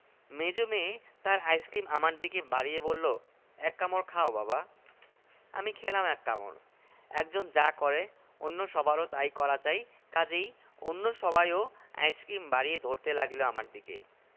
মেজো মেয়ে তার আইসক্রিম আমার দিকে বাড়িয়ে বলল এক কামড় খাও বাবা আমি খেলাম এক কামড় একজন যা করে অন্য সবারও তাই করা চাই কাজেই অন্য সবাইও আইসক্রিম বাড়িয়ে ধরতে লাগিল আমার দিকে